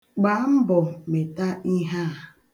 Gbaa mbọ meta ihe a.